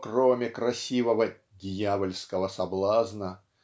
кроме красивого "дьявольского соблазна"